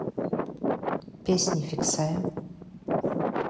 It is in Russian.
песни фиксая